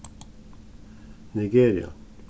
nigeria